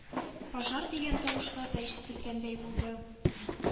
”пожар“ дигән тавышлар да ишетелгәндәй булды,